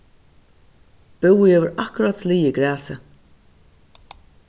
búi hevur akkurát sligið grasið